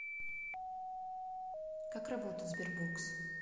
как работает sberbox